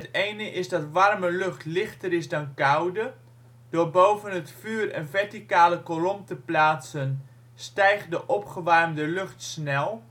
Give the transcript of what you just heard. ene is dat warme lucht lichter is dan koude. Door boven het vuur een verticale kolom te plaatsen stijgt de opgewarmde lucht snel